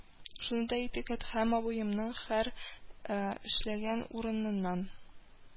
Шуны да әйтик, Әдһәм абыемның һәр эшләгән урыныннан